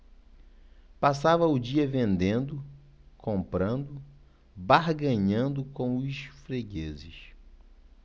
passava o dia vendendo comprando barganhando com os fregueses